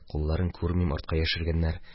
Кулларын күрмим – артка яшергәннәр.